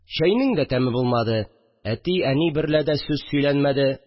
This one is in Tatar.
Чәйнең дә тәме булмады, әти, әни берлә дә сүз сөйләнмәде